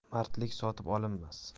mardlik sotib olinmas